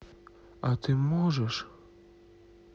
а ты можешь